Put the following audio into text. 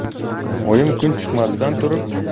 oyim kun chiqmasdan